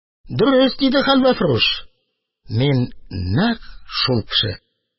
Дөрес, – диде хәлвәфрүш, – мин нәкъ шул кеше.